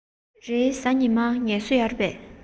རེས གཟའ ཉི མར ངལ གསོ ཡོད རེད པས